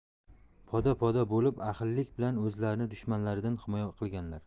poda poda bo'lib ahillik bilan o'zlarini dushmanlaridan himoya qilganlar